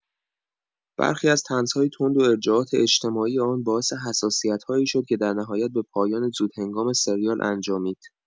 برخی از طنزهای تند و ارجاعات اجتماعی آن باعث حساسیت‌هایی شد که در نهایت به پایان زودهنگام سریال انجامید.